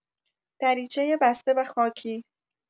دریچه بسته و خاکی